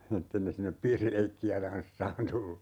että ei ne sinne ole piirileikkiä tanssaamaan tullut